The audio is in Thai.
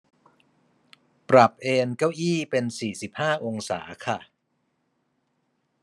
ปรับเอนเก้าอี้เป็นสี่สิบห้าองศาค่ะ